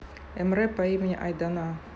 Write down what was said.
emre по имени айдана